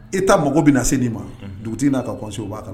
E ta mago bɛna na se'i ma dugutigi n'a ka bɔso b'a na